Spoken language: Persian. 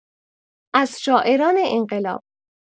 از شاعران انقلاب